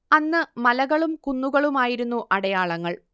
അന്ന് മലകളും കുന്നുകളുമായിരുന്നു അടയാളങ്ങൾ